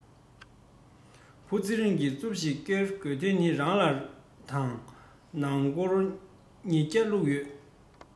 བུ ཚེ རིང གྱི མཛུབ ཞིག ཀེར དགོས དོན ནི རང ལ དང ནང སྒོར ཉི བརྒྱ བླུག ཡོད